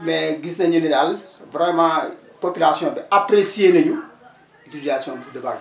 mais gis nañu ne daal vraiment population bi apprecié nañu utilisation bouse de vache bi